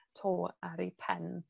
to ar ei pen.